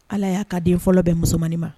Ala y'a ka den fɔlɔ bɛ musoman nin ma.